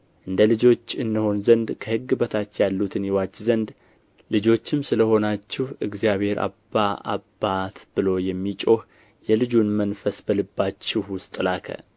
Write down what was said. እንደ ልጆች እንሆን ዘንድ ከሕግ በታች ያሉትን ይዋጅ ዘንድ ልጆችም ስለ ሆናችሁ እግዚአብሔር አባ አባት ብሎ የሚጮኽ የልጁን መንፈስ በልባችሁ ውስጥ ላከ